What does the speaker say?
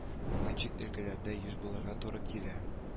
Аңа чит өлкәләрдә еш булырга туры килә